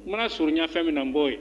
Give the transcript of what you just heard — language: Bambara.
U mana surunya fɛn min na bɔ yen